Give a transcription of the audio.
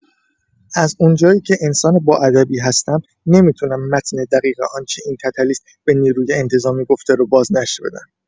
از اونجایی که انسان باادبی هستم، نمی‌تونم متن دقیق آنچه این تتلیست به نیروی انتظامی گفته رو بازنشر بدم.